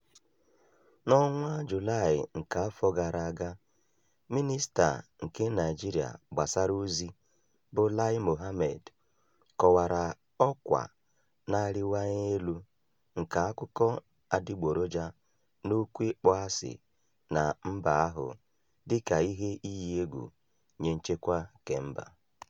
N'ọnwa Julaị nke afọ gara aga, Minista nke Naijiria Gbasara Ozi bụ Lai Mohammed kọwara ọkwa na-arịwanye elu nke akụkọ adịgboroja na okwu ịkpọasị na mba ahụ dịka ihe iyi egwu nye nchekwa kemba.